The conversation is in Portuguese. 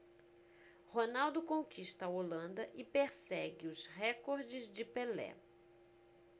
ronaldo conquista a holanda e persegue os recordes de pelé